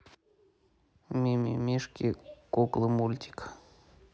мимимишки куклы мультики